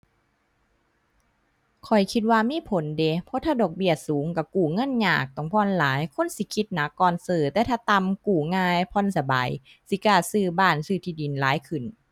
ข้อยคิดว่ามีผลเดะ เพราะถ้าดอกเบี้ยสูงก็กู้เงินยาก ต้องผ่อนหลาย คนสิคิดหนักก่อนซื้อแต่ถ้าต่ำ กู้ง่าย ผ่อนสบาย สิกล้าซื้อบ้าน ซื้อที่ดินหลายขึ้น